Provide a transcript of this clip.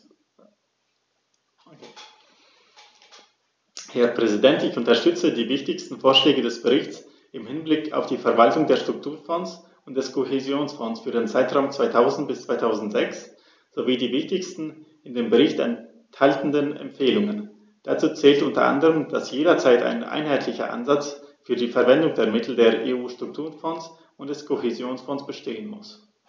Herr Präsident, ich unterstütze die wichtigsten Vorschläge des Berichts im Hinblick auf die Verwaltung der Strukturfonds und des Kohäsionsfonds für den Zeitraum 2000-2006 sowie die wichtigsten in dem Bericht enthaltenen Empfehlungen. Dazu zählt u. a., dass jederzeit ein einheitlicher Ansatz für die Verwendung der Mittel der EU-Strukturfonds und des Kohäsionsfonds bestehen muss.